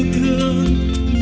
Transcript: thương